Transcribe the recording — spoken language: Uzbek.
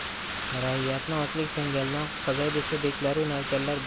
raiyyatni ochlik changalidan qutqazay desa beklaru navkarlar bular